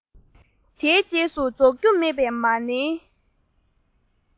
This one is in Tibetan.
དེའི རྗེས སུ རྫོགས རྒྱུ མེད པའི མ ཎིའི